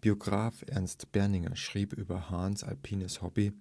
Biograph Ernst Berninger schrieb über Hahns alpines Hobby: